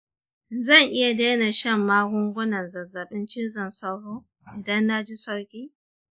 zan iya daina shan magungunan zazzabin cizon sauro idan na ji sauki